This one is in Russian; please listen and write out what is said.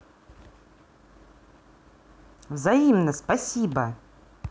взаимно спасибо